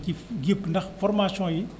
ci yëpp ndax formation yi